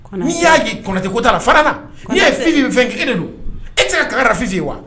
N'i y'ai Kɔnatɛ kotɛ la fara na ni y'a ye Fifi bɛ fɛn kɛ e de don e tɛ se ka kankari da Fifi ye wa.